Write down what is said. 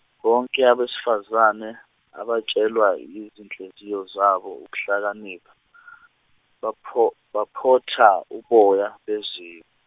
bonke abesifazane, abatshelwa yizinhliziyo zabo ukuhlakanipha, bapho- baphotha uboya bezi-.